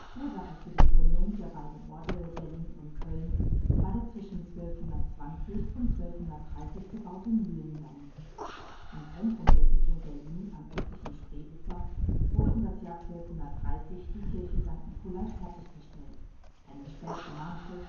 Ursache für die Gründung der beiden Orte Berlin und Cölln war der zwischen 1220 und 1230 gebaute Mühlendamm. Im Zentrum der Siedlung Berlin am östlichen Spreeufer wurde um das Jahr 1230 die Kirche St. Nikolai fertiggestellt, eine spätromanische Feldsteinbasilika